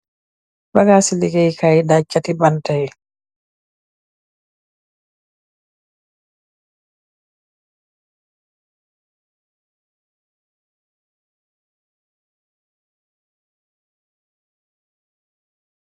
Bagas si ligaay kaay yi daag kati banta yi